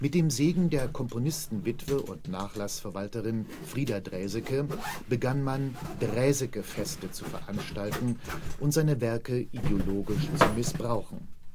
dem Segen der Komponistenwitwe und Nachlassverwalterin Frida Draeseke begann man, „ Draeseke-Feste “zu veranstalten und seine Werke ideologisch zu missbrauchen